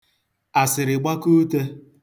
àsị̀rị̀gbakautē